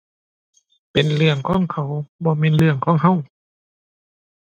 เป็นเรื่องของเขา บ่แม่นเรื่องของเรา